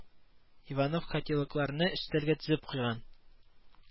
Иванов котелокларны өстәлгә тезеп куйган